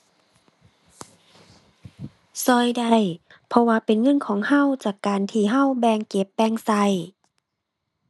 ช่วยได้ เพราะว่าเป็นเงินของช่วยจากการที่ช่วยแบ่งเก็บแบ่งช่วย